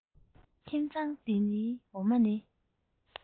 ཁྱིམ ཚང འདིའི འོ མ ནི